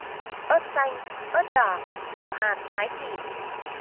ớt xanh ớt đỏ bỏ hạt thái chỉ